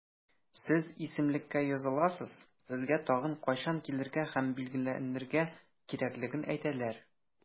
Сез исемлеккә языласыз, сезгә тагын кайчан килергә һәм билгеләнергә кирәклеген әйтәләр.